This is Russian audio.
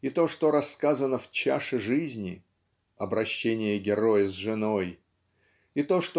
и то, что рассказано в "Чаше жизни" (обращение героя с женой) и то